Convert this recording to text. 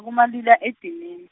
kumalila edinini.